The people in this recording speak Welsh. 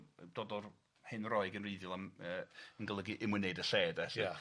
dod o'r hen Roeg yn wreiddiol am yy yn golygu in ymwneud â lle de 'lly. Ia.